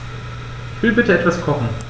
Ich will bitte etwas kochen.